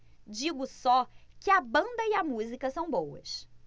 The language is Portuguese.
digo só que a banda e a música são boas